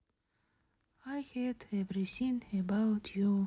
ай хейт эврисин эбаут ю